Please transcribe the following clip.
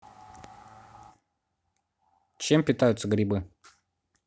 чем питаются грибы